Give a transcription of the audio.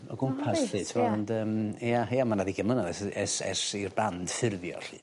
o gwmpas 'lly t'mo' ond yym ia ia ma' 'na ddeugan mlynadd e's ers ers i'r band ffurfio 'lly.